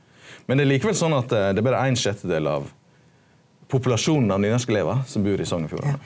men det er likevel sånn at det er berre ein sjettedel av populasjonen av nynorskelevar som bur i Sogn og Fjordane.